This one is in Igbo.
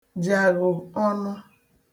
jàghò ọnụ